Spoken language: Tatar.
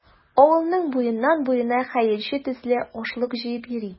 Авылның буеннан-буена хәерче төсле ашлык җыеп йөри.